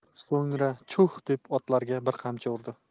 so'ngra chuh deb otlarga bir qamchi urdi